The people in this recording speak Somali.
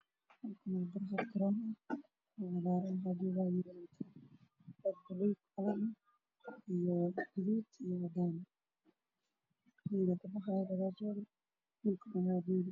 Waa garoon waxaa jooga niman dhulkooda waana cagaar